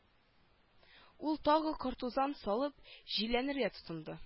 Ул тагы кортузан салып җилләнергә тотынды